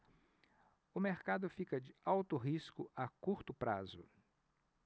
o mercado fica de alto risco a curto prazo